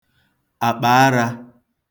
àkpàarā